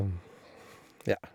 Ja.